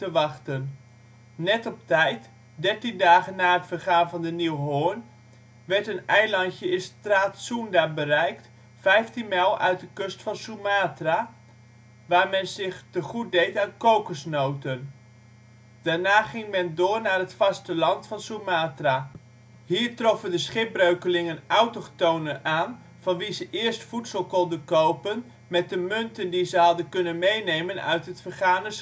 wachten. Net op tijd, dertien dagen na het vergaan van de Nieuw Hoorn, werd een eilandje in Straat Soenda bereikt, 15 mijl uit de kust van Sumatra, waar men zich tegoed deed aan kokosnoten. Daarna ging men door naar het vasteland van Sumatra. Hier troffen de schipbreukelingen autochtonen aan van wie ze eerst voedsel konden kopen met de munten die ze hadden kunnen meenemen uit het vergane